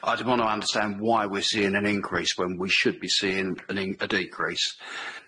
I do wanna understand why we're seeing an increase when we should be seeing an ing- a decrease.